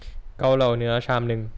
เกาเหลาเนื้อชามนึง